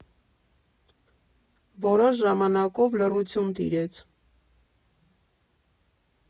Որոշ ժամանակով լռություն տիրեց։